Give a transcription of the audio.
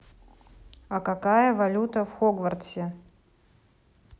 а какая валюта в хогвартсе